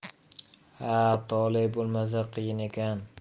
ha tole bo'lmasa qiyin ekan